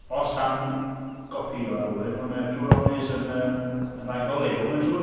Os am gopïo rhywun, wel mae'r two Ronnie's yn yym rhai go lew, mae'n siŵr.